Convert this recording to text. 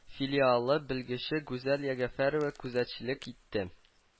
Филиалы белгече гүзәл ягәфәрова күзәтчелек итте